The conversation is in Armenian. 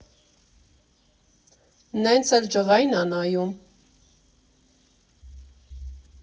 Նենց էլ ջղայն ա նայում…